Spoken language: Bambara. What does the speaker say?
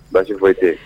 Baasi foyi tɛ yen